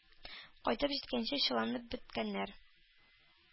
Кайтып җиткәнче чыланып беткәннәр.